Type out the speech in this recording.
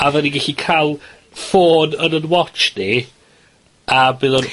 a fy' ni gellu ca'l ffôn yn 'yn watch ni, a bydd o'n...